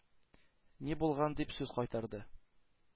-ни булган?-дип сүз кайтарды.